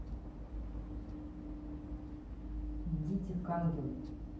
идите к ангелу